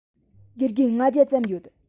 དགེ རྒན ༥༠༠ ཙམ ཡོད